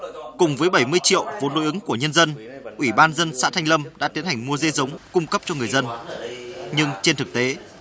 cùng với bảy mươi triệu vốn đối ứng của nhân dân ủy ban dân xã thanh lâm đã tiến hành mua dê giống cung cấp cho người dân nhưng trên thực tế